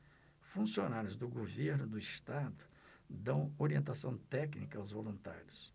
funcionários do governo do estado dão orientação técnica aos voluntários